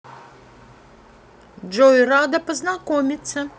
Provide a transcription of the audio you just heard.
джой рада познакомиться